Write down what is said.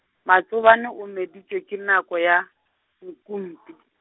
Matsobane o meditšwe ke nako ya, Nkumpi.